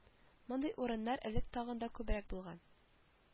Мондый урыннар элек тагын да күбрәк булган